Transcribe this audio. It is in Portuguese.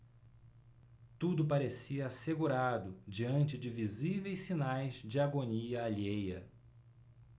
tudo parecia assegurado diante de visíveis sinais de agonia alheia